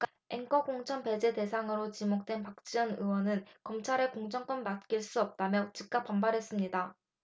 앵커 공천 배제 대상으로 지목된 박지원 의원은 검찰에 공천권을 맡길 순 없다며 즉각 반발했습니다